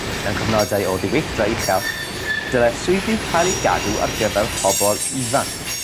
Mewn cyfnodau o ddiweithdra uchel dyle swyddi cael ei gadw ar gyfer pobol ifanc.